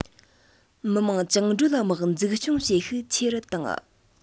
མི དམངས བཅིངས འགྲོལ དམག འཛུགས སྐྱོང བྱེད ཤུགས ཆེ རུ བཏང